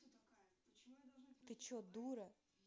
ты че дура